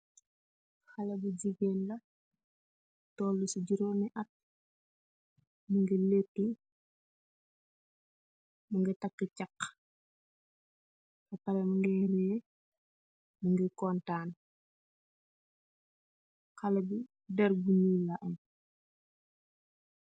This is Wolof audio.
Haleh bu jigeen la, tolu ce juromi att mugge lehtu, muggy takk chaka beh parreh mugai reyy muggie kontan. Haleh bi deer bu nyeuul laa amm.